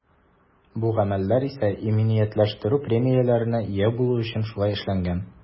Бу гамәлләр исә иминиятләштерү премияләренә ия булу өчен шулай эшләнгән.